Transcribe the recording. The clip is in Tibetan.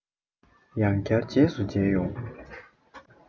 ཡང སྐྱར རྗེས སུ འཇལ ཡོང